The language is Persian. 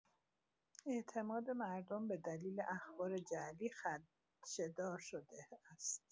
اعتماد مردم به دلیل اخبار جعلی خدشه‌دار شده است.